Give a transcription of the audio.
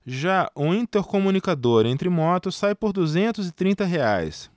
já o intercomunicador entre motos sai por duzentos e trinta reais